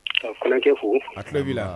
Ka kalankɛ fo a tulo' la